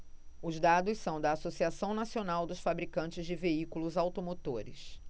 os dados são da anfavea associação nacional dos fabricantes de veículos automotores